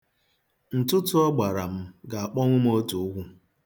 Ntụtụ ọ gbara m ga-akpọnwụ m otu ụkwụ.